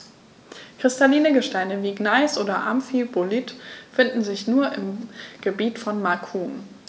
Kristalline Gesteine wie Gneis oder Amphibolit finden sich nur im Gebiet von Macun.